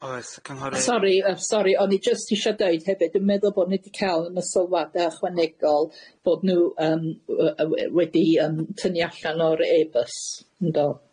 Oes, Cynghorydd... Sori yy sori, o'n i jyst isio deud hefyd dwi'n meddwl bo' ni 'di ca'l yn y sylwada' ychwanegol bod nw yym w- yy w- yy wedi yym tynnu allan o'r e bus, yn do?